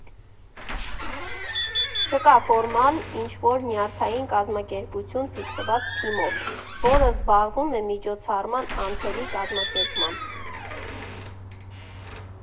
Չկա ֆորմալ ինչ֊որ նյարդային կազմակերպություն ֆիքսված թիմով, որը զբաղվում է միջոցառման անթերի կազմակերպմամբ։